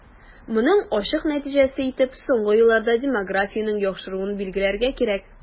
Моның ачык нәтиҗәсе итеп соңгы елларда демографиянең яхшыруын билгеләргә кирәк.